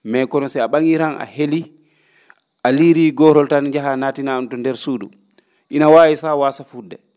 mais kono si a ?a?ii ran a helii a liirii goorol tan jahaa nattinaa to ndeer suudu ina waawi sah waasa fu?de